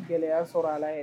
Gɛlɛya y'a sɔrɔ ala yɛrɛ